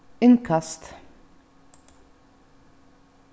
innkast